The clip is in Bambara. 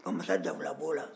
ka mansadawula b'o la